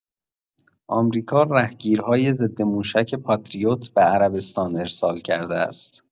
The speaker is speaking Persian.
آمریکا رهگیرهای ضدموشک پاتریوت به عربستان ارسال کرده است.